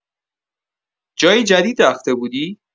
جایی جدید رفته بودی؟